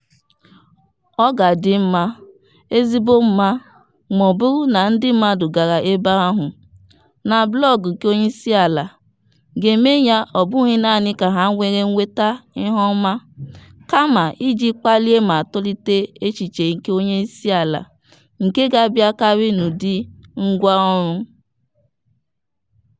Ọ ga-adị mma, ezigbo mma maọbụrụ na ndị mmadụ gara ebe ahụ (na blọọgụ nke onyeisiala) ga-eme ya ọ bụghị naanị ka ha were nweta ịhụoma, kama iji kpalie ma tolite echiche nke onyeisiala nke ga-abịakarị n'ụdị. "ngwáọrụ"